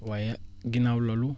waaye ginnaaw loolu